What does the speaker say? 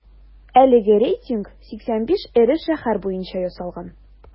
Әлеге рейтинг 85 эре шәһәр буенча ясалган.